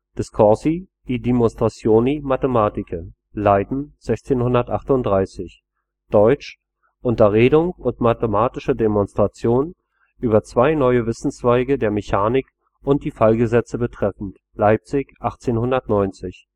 Discorsi e dimostrazioni matematiche, Leiden 1638 deutsch: Unterredung und mathematische Demonstration über zwei neue Wissenszweige die Mechanik und die Fallgesetze betreffend, Leipzig 1890